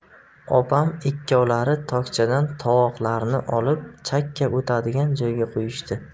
opam ikkovlari tokchadan tovoqlarni olib chakka o'tadigan joyga qo'yishdi